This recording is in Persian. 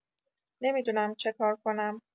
نمی‌دونم چکار کنم!